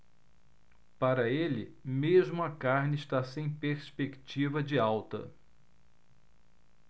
para ele mesmo a carne está sem perspectiva de alta